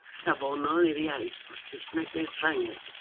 Safonol i'r iaith o'r Saesneg neu'r Ffrangeg.